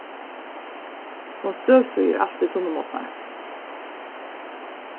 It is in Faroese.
hon støvsýgur altíð sunnumorgnar